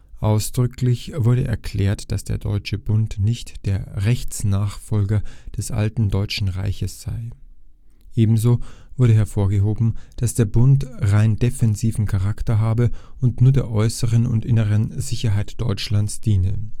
Ausdrücklich wurde erklärt, dass der Deutsche Bund nicht der Rechtsnachfolger des alten Deutschen Reiches sei. Ebenso wurde hervorgehoben, dass der Bund rein defensiven Charakter habe und nur der äußeren und inneren Sicherheit Deutschlands diene